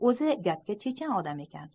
o'zi gapga chechan odam ekan